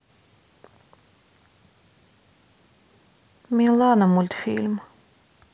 милана мультфильм